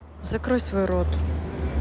закрой свой рот